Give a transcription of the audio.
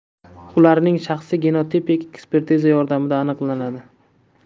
ularning shaxsi genotipik ekspertiza yordamida aniqlanadi